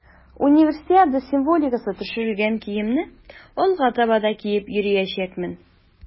Универсиада символикасы төшерелгән киемне алга таба да киеп йөриячәкмен.